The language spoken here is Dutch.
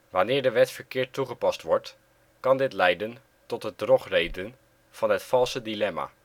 Wanneer de wet verkeerd toegepast wordt, kan dit leiden tot de drogreden van het valse dilemma